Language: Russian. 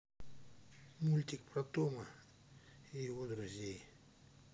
мультик про тома и его друзей